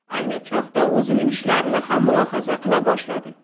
ayni choqda o'zining ishlarini ham mulohaza qila boshladi